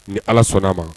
Ni ala sɔnna ma